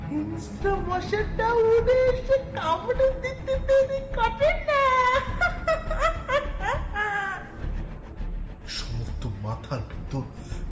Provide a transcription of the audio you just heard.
হিংস্র মশাটা উড়ে এসে কামড়ে দিতে দেরি করে না সমস্ত মাথার ভিতর